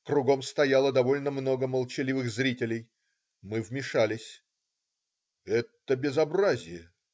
Кругом стояло довольно много молчаливых зрителей. Мы вмешались. - "Это безобразие!